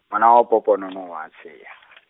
ngwana ya ponopono o a tsheha .